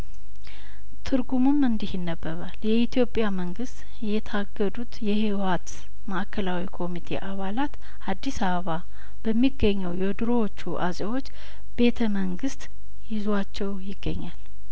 ትርጉሙም እንዲህ ይነ በባል የኢትዮጵያ መንግስት የታገዱት የህወሀት ማእከላዊ ኮሚቴ አባላት አዲስ አበባ በሚገኘው የድሮዎቹ አጼዎች ቤተ መንግስት ይዟቸው ይገኛል